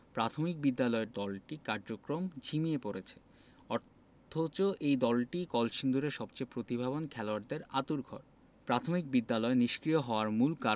প্রাথমিক বিদ্যালয়ের দলটির কার্যক্রম ঝিমিয়ে পড়েছে অথচ এই দলটিই কলসিন্দুরের সবচেয়ে প্রতিভাবান খেলোয়াড়দের আঁতুড়ঘর